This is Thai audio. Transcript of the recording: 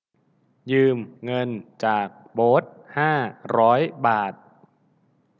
ยืมเงินจากโบ๊ทห้าร้อยบาท